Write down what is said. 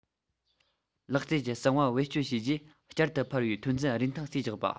ལག རྩལ གྱི གསང བ བེད སྤྱོད བྱས རྗེས བསྐྱར དུ འཕར བའི ཐོན རྫས རིན ཐང རྩིས རྒྱག པ